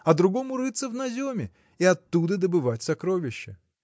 а другому рыться в наземе и оттуда добывать сокровища.